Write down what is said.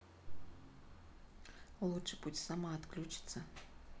лучше пусть сама отключится